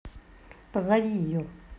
позови ее